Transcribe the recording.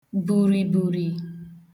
bùrìbùrì